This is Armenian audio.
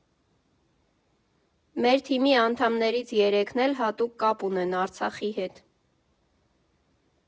Մեր թիմի անդամներից երեքն էլ հատուկ կապ ունեն Արցախի հետ.